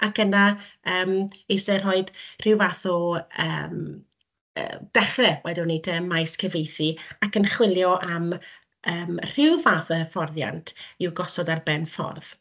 ac yna yym eisiau rhoid ryw fath o yym yy bethau wedwn ni te ym maes cyfieithu ac yn chwilio am yym rhyw fath o hyfforddiant i'w gosod ar ben ffordd.